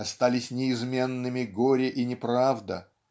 Остались неизменными горе и неправда